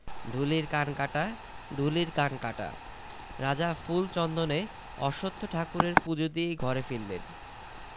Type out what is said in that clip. ঢুলির কান কাটা ঢুলির কান কাটা রাজা ফুল চন্দনে অশ্বত্থ ঠাকুরের পুজো দিয়ে ঘরে ফিরলেন